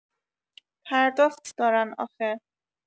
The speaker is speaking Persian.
پرداخت دارن آخه